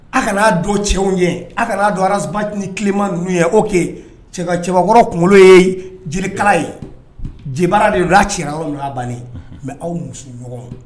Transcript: A kana'a don cɛ ye a kana'a dɔn arazbati tilema ninnuu ye oo kɛ cɛbakɔrɔ kunkolo ye jeli ye jɛ de'a cɛ ban mɛ aw muso ɲɔgɔn